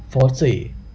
โฟธสี่